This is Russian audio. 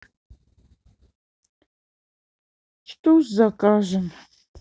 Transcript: что с заказом